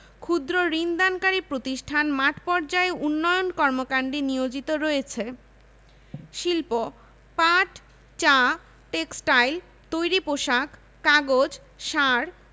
EPZ বর্তমানে ঢাকা ও চট্টগ্রামে একটি করে মোট ২টি ইপিজেড রয়েছে গাজীপুর মংলা ঈশ্বরদী কুমিল্লা সৈয়দপুর ও সিরাজগঞ্জে